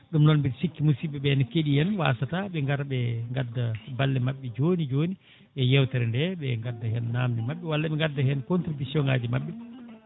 ɗum noon bisikki musibɓeɓe ne keeɗi en wasata ɓe gara ɓe gadda balle mabɓe joni joni e yewtere nde ɓe gadda hen namde mabɓe walla ɓe gadda hen contribution ngaji mabɓe